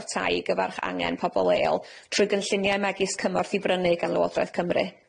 o'r tai i gyfarch angen pobol leol trwy gynlluniau megis cymorth i brynu gan lywodraeth Cymru.